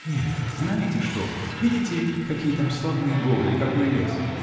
Нет, знаете что: видите, какие там славные горы -- и какой лес!